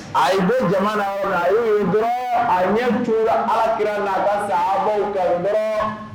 A bɛ jamana a dɔrɔn a ɲɛ tora alaki la sa bɔ kaɔrɔ